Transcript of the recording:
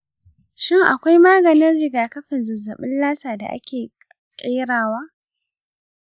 shin akwai maganin rigakafin zazzabin lassa da ake ƙerawa?